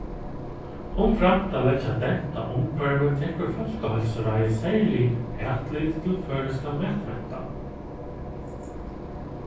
umframt at leggja dent á umhvørvið tekur fólkaheilsuráðið serligt atlit til føroyska matmentan